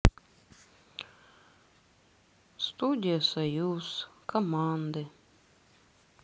студия союз команды